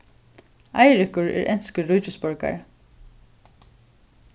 eirikur er enskur ríkisborgari